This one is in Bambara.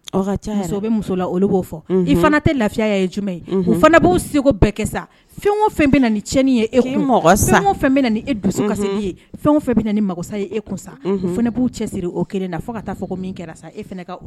Tɛ lafiya b' bɛɛ kɛ sa fɛn o fɛn bɛ cɛn ye e san bɛ e dusu ye fɛn bɛ mako sa ye e kun sa b'o cɛ siri o kelen fo ka taa fɔ min kɛra e